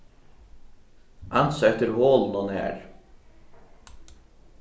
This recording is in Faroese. ansa eftir holinum har